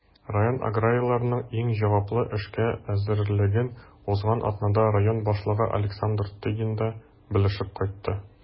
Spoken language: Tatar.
Район аграрийларының иң җаваплы эшкә әзерлеген узган атнада район башлыгы Александр Тыгин да белешеп кайтты.